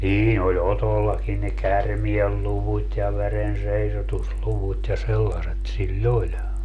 niin oli Otollakin ne käärmeenluvut ja verenseisotusluvut ja sellaiset sillä oli